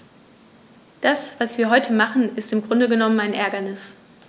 Das, was wir heute machen, ist im Grunde genommen ein Ärgernis.